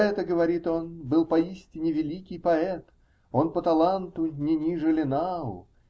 Это, -- говорит он, -- был поистине великий поэт, он по таланту не ниже Ленау.